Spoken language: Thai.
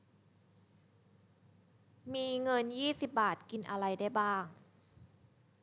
มีเงินยี่สิบบาทกินอะไรได้บ้าง